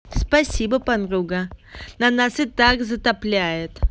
спасибо подруга на нас и так затопляет